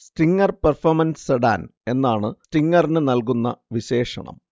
Stinger performance sedan എന്നാണ് സ്റ്റിങ്ങറിന് നൽകുന്ന വിശേഷണം